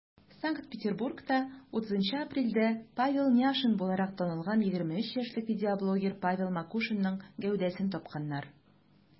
Санкт-Петербургта 30 апрельдә Павел Няшин буларак танылган 23 яшьлек видеоблогер Павел Макушинның гәүдәсен тапканнар.